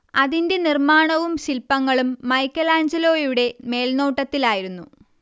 അതിന്റെ നിർമ്മാണവും ശില്പങ്ങളും മൈക്കെലാഞ്ചലോയുടെ മേൽനോട്ടത്തിലായിരുന്നു